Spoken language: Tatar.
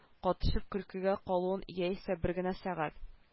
Катышып көлкегә калуын яисә бер генә сәгать